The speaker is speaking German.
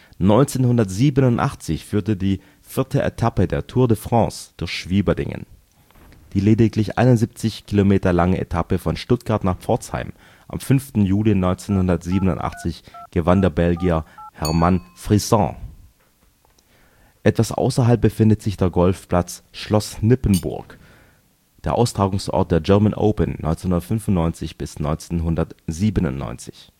1987 führte die vierte Etappe der Tour de France durch Schwieberdingen. Die lediglich 71 km lange Etappe von Stuttgart nach Pforzheim am 5. Juli 1987 gewann der Belgier Herman Frison. Etwas außerhalb befindet sich der Golfplatz „ Schloss Nippenburg “, der Austragungsort der German Open 1995 - 1997